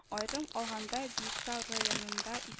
Аерым алганда, Биектау районында